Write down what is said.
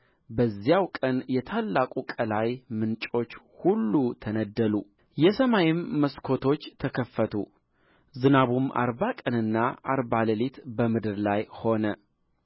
በዚያው ቀን የታላቁ ቀላይ ምንጮች ሁሉ ተነደሉ የሰማይም መስኮቶች ተከፈቱ ዝናቡም አርባ ቀንና አርባ ሌሊት በምድር ላይ ሆነ